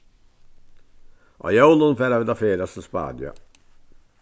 á jólum fara vit at ferðast til spania